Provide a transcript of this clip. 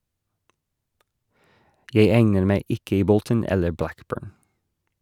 - Jeg egner meg ikke i Bolton eller Blackburn.